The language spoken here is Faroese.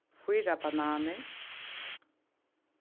fýra bananir